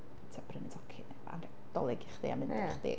Tibod prynu tocyn fatha anrheg Dolig i chdi, a mynd efo chdi.